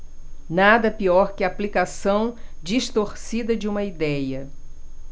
nada pior que a aplicação distorcida de uma idéia